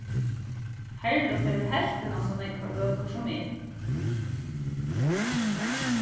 herluf hevur helvtina so nógvar bøkur sum eg